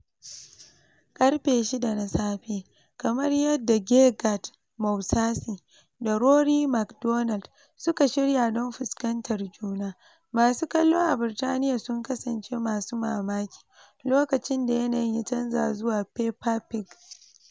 Ƙarfe 6 na safe, kamar yadda Gegard Mousasi da Rory MacDonald suka shirya don fuskantar juna, masu kallo a Birtaniya sun kasance masu mamaki lokacin da yanayin ya canza zuwa Peppa Pig.